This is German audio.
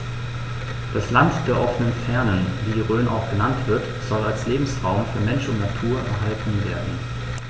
Das „Land der offenen Fernen“, wie die Rhön auch genannt wird, soll als Lebensraum für Mensch und Natur erhalten werden.